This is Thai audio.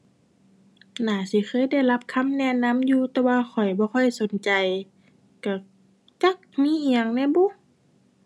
น่าสิเคยได้รับคำแนะนำอยู่ แต่ว่าข้อยบ่ค่อยสนใจ ก็จักมีอิหยังแหน่บุ